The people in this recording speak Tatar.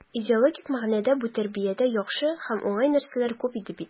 Идеологик мәгънәдә бу тәрбиядә яхшы һәм уңай нәрсәләр күп иде бит.